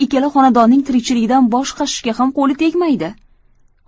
ikkala xonadonning tirikchiligidan bosh qashishga ham qo'li tegmaydi